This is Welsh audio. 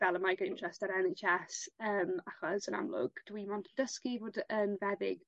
fel y Migraine Trust a'r En Haitch Es yym achos yn amlwg dwi 'mond y' dysgu fod yn feddyg